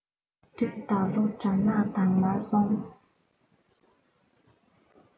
དུས ད ལོ དགྲ ནག དྭངས མར སོང